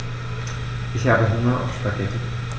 Ich habe Hunger auf Spaghetti.